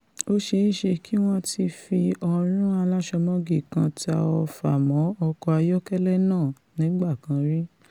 Ó ṣeé ṣe kí wọ́n ti fi ọrún alásomọ́gi kan ta ọfà mọ́ ọkọ̀ ayọ́kẹ́lẹ́ nàà nígbà kan rí.